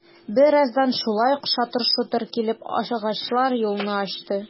Бераздан шулай ук шатыр-шотыр килеп, агачлар юлны ачты...